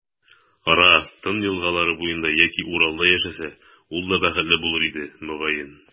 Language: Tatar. Ра, Тын елгалары буенда яки Уралда яшәсә, ул да бәхетле булыр иде, мөгаен.